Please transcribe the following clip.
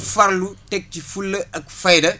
farlu teg ci fula ak fayda